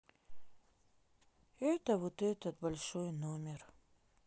это вот этот большой номер